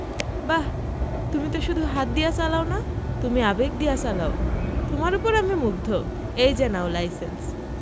বাহ তুমি তো শুধু হাত দিয়া চালাও না তুমি আবেগ দিয়া চালাও তোমার উপর আমি মুগ্ধ এই যে নাও লাইসেন্স